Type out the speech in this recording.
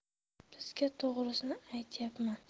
sizga to'g'risini aytyapman